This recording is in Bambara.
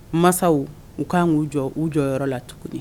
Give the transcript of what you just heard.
Masaw u k kan k'u jɔ u jɔ yɔrɔ la tuguni